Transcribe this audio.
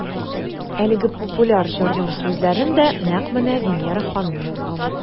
Әлеге популяр җырның сүзләрен дә нәкъ менә Винера ханым язган.